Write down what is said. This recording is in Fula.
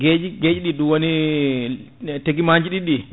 gueƴi gueƴi ɗi duwoni teguimaji ɗiɗi ɗi